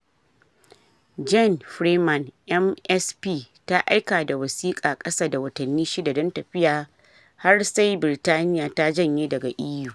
Jeane Freeman MSP ta aika da wasika kasa da watanni shida don tafiya har sai Birtaniya ta janye daga EU.